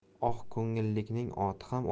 oqko'ngillikning oti ham